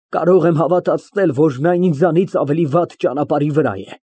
Կարող եմ հավատացնել, որ նա ինձանից ավելի վատ ճանապարհի վրա է։